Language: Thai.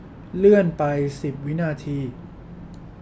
เลื่อนไปสิบวินาที